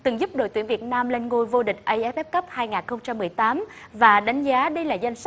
từng giúp đội tuyển việt nam lên ngôi vô địch ây ép ép cắp hai ngàn không trăm mười tám và đánh giá đây là danh sách